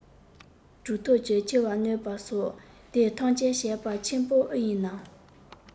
གྲུབ ཐོབ ཀྱི ཆེ བར གནོད པ སོགས དེ ཐམས ཅད བྱས པ ཆེན པོ ཨེ ཡིན ནམ